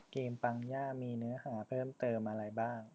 เกมปังย่ามีเนื้อหาเพิ่มเติมอะไรบ้าง